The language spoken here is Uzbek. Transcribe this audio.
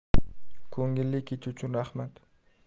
ko'ngilli kecha uchun rahmat